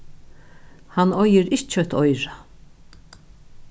hann eigur ikki eitt oyra